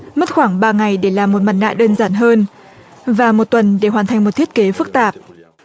mất khoảng ba ngày để làm một mặt nạ đơn giản hơn và một tuần để hoàn thành một thiết kế phức tạp